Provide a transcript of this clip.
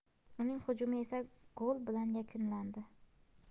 uning hujumi esa gol bilan yakunlandi